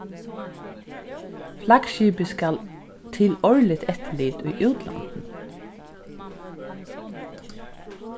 flaggskipið skal til árligt eftirlit í útlandinum